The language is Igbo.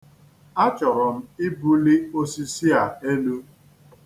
Achọrọ m ibuli osisi a.